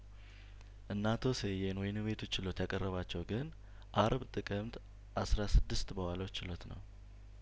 እነ አቶ ስዬን ወህኒ ቤቱ ችሎት ያቀርባቸው ግን አርብ ጥቅምት አስራ ስድስት በዋለው ችሎት ነው